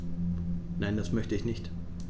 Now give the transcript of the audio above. Nein, das möchte ich nicht.